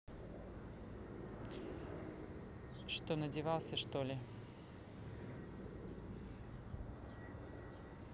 что надевался что ли